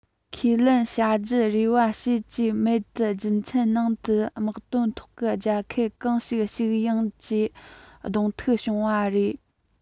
ཁས ལེན བྱ རྒྱུའི རེ བ བྱེད ཀྱི མེད དུ རྒྱ མཚོའི ནང དུ དམག དོན ཐོག གི རྒྱལ ཁབ གང ཞིག ཞིག ཡོད ཀྱི གདོང ཐུག བྱུང བ རེད